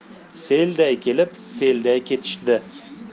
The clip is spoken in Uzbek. selday kelib selday ketishdi